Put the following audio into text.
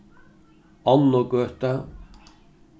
onnugøta